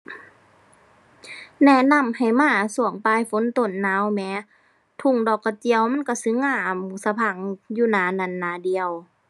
แนะนำให้มาช่วงปลายฝนต้นหนาวแหม ทุ่งดอกกระเจียวมันช่วงสิงามสะพรั่งอยู่หน้านั้นหน้าเดียว